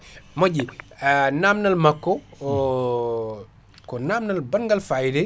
moƴƴi namdal makko ko namdal bangal fayida